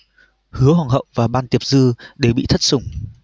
hứa hoàng hậu và ban tiệp dư đều bị thất sủng